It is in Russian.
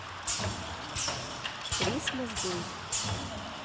christmas day